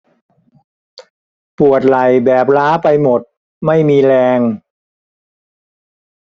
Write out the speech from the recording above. ปวดไหล่แบบล้าไปหมดไม่มีแรง